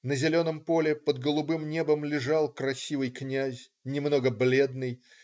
На зеленом поле, под голубым небом лежал красивый князь, немного бледный.